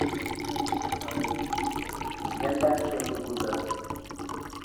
Amna jigeen bàni sollu gudda